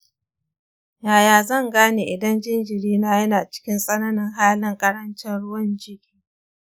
yaya zan gane idan jinjirina yana cikin tsananin halin ƙarancin ruwan-jiki?